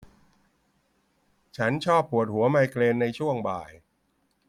ฉันชอบปวดหัวไมเกรนในช่วงบ่าย